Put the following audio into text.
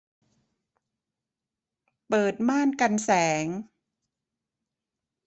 เปิดม่านกันแสง